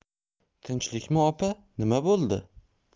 tinchlikmi opa nima bo'ldi